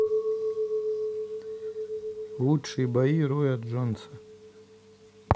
лучшие бои роя джонса